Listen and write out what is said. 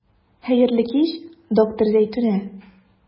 Хәерле кич, доктор Зәйтүнә.